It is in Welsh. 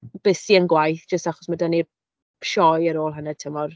Bues i yn gwaith, jyst achos mae 'da ni'r sioe ar ôl hanner tymor.